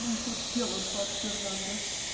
-- Мой ход сделан, паж Фернандо.